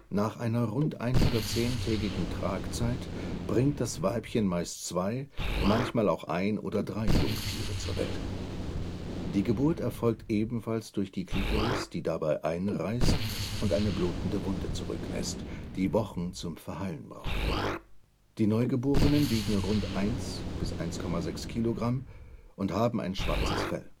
Nach einer rund 110-tägigen Tragzeit bringt das Weibchen meist zwei, manchmal auch ein oder drei Jungtiere zur Welt. Die Geburt erfolgt ebenfalls durch die Klitoris, die dabei einreißt und eine blutende Wunde zurücklässt, die Wochen zum Verheilen braucht. Die Neugeborenen wiegen rund 1 bis 1,6 Kilogramm und haben ein schwarzes Fell